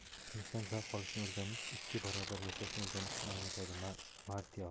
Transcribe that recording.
o'tmishdan zavq olishni o'rganish ikki barobar yashashni o'rganishni anglatadi martial